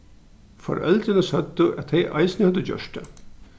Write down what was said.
foreldrini søgdu at tey eisini høvdu gjørt tað